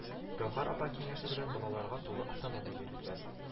Гәүһәр апа киңәше белән балаларга «тулы автономия» бирелгән